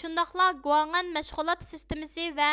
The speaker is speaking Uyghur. شۇنداقلا گۇاڭەن مەشخۇلات سېستىمىسى ۋە